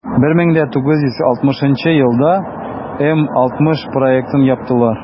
1960 елда м-60 проектын яптылар.